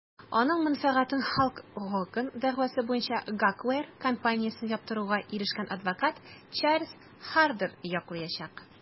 Аның мәнфәгатен Халк Хоган дәгъвасы буенча Gawker компаниясен яптыруга ирешкән адвокат Чарльз Хардер яклаячак.